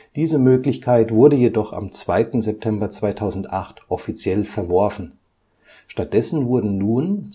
Diese Möglichkeit wurde jedoch am 2. September 2008 offiziell verworfen, stattdessen wurden nun